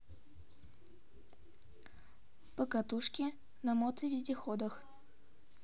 покатушки на мотовездеходах